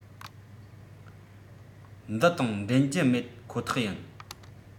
འདི དང འགྲན རྒྱུ མེད ཁོ ཐག ཡིན